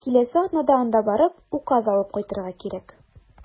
Киләсе атнада анда барып, указ алып кайтырга кирәк.